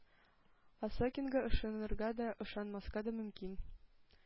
Осокинга ышанырга да, ышанмаска да мөмкин.